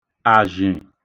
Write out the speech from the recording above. àzhị̀